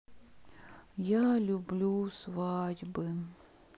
я люблю свадьбы